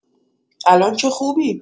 الان که خوبی؟